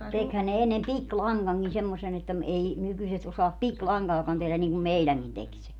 tekihän ne ennen pikilangankin semmoisen että - ei nykyiset osaa pikilankaakaan tehdä niin kuin meidänkin teki se